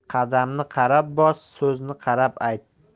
qadamni qarab bos so'zni qarab ayt